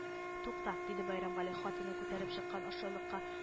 — тукта, — диде бәйрәмгали, хатыны күтәреп чыккан ашъяулыкка